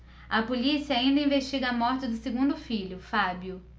a polícia ainda investiga a morte do segundo filho fábio